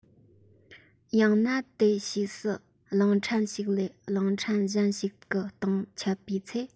ཡང ན དེ ཕྱིས སུ གླིང ཕྲན ཞིག ལས གླིང ཕྲན གཞན ཞིག གི སྟེང ཁྱབ པའི ཚེ